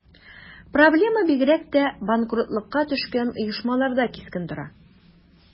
Проблема бигрәк тә банкротлыкка төшкән оешмаларда кискен тора.